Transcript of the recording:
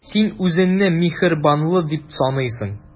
Син үзеңне миһербанлы дип саныйсың.